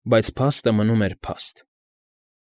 Բայց փաստը մնում էր փաստ։